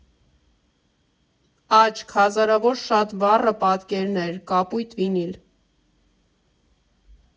Աչք, հազարավոր շատ խառը պատկերներ, կապույտ վինիլ.